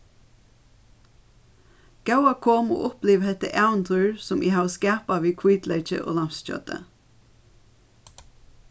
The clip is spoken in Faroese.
góða kom og uppliv hetta ævintýr sum eg havi skapað við hvítleyki og lambskjøti